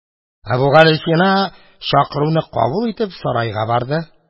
Әбүгалисина, чакыруны кабул итеп, сарайга барды.